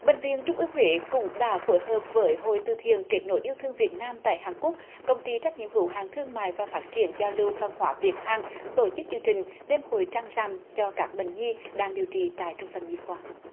bênh viện trung ương huế cũng đã phối hợp với hội từ thiện kết nối yêu thương việt nam tại hàn quốc công ty trách nhiệm hữu hạn thương mại và phát triển giao lưu văn hóa việt hàn tổ chức chương trình đêm hội trăng rằm cho các bệnh nhi đang điều trị tại trung tâm nhi khoa